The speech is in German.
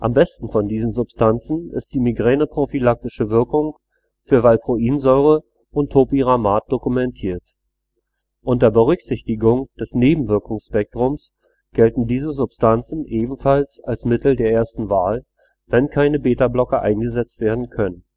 besten von diesen Substanzen ist die migräneprophylaktische Wirkung für Valproinsäure und Topiramat dokumentiert. Unter Berücksichtigung des Nebenwirkungsspektrums gelten diese Substanzen ebenfalls als Mittel der ersten Wahl, wenn keine Betablocker eingesetzt werden können